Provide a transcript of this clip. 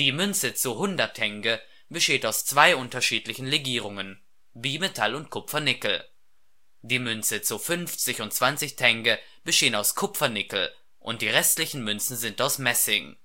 Münze zu 100 Tenge besteht aus zwei unterschiedlichen Legierungen (Bimetall und Kupfer-Nickel). Die Münzen zu 50 und 20 Tenge bestehen aus Kupfer-Nickel und die restlichen Münzen sind aus Messing